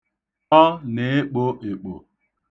Ọ na-ekpo ekpo.